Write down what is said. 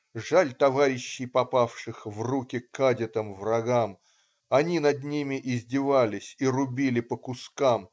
Жаль товарищей попавших В руки кадетам врагам Они над ними издевались И рубили по кускам.